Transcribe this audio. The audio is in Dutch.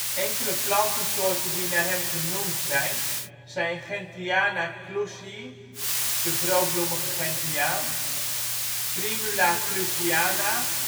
Enkele plantensoorten die naar hem genoemd zijn, zijn: Gentiana clusii (Grootbloemige gentiaan) Primula clusiana